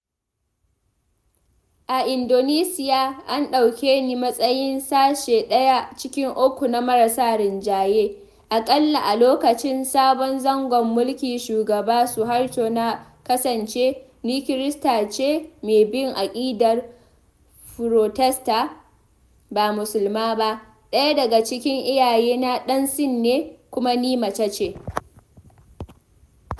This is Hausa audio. A Indonesiya, an ɗauke ni matsayin sashi ɗaya cikin uku na marasa rinjaye— aƙalla, a lokacin sabon zangon mulkin Shugaba Suharto na kasance: Ni Kirista ce mai bin aƙidar Furotesta, ba Musulma ba, ɗaya daga cikin iyaye na ɗan Sin ne, kuma Ni mace ce.